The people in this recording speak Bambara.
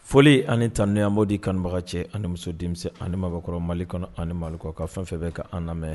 Foli ani tanuya an b'o di kanubaga cɛ ani muso, denmisɛnnin ani maabakɔrɔ, Mali kɔnɔ ani mali kɔ kan ka fɛn fɛn bɛ ka an lamɛ